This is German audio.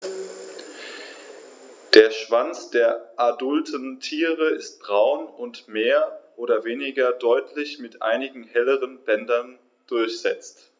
Der Schwanz der adulten Tiere ist braun und mehr oder weniger deutlich mit einigen helleren Bändern durchsetzt.